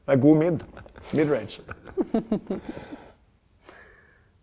det er god mid .